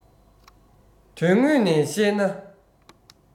དོན དངོས ནས གཤས ན